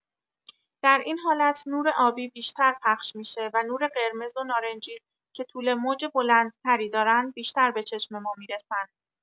در این حالت، نور آبی بیشتر پخش می‌شه و نور قرمز و نارنجی که طول‌موج بلندتری دارن، بیشتر به چشم ما می‌رسن.